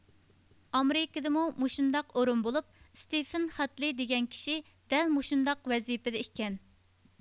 ئامېرىكىدىمۇ مۇشۇنداق ئورۇن بولۇپ ستېفېن خادلېي دېگەن كىشى دەل مۇشۇنداق ۋەزىپىدە ئىكەن